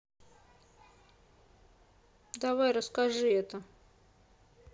давай расскажи это